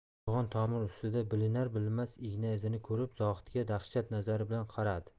yo'g'on tomir ustida bilinar bilinmas igna izini ko'rib zohidga dahshat nazari bilan qaradi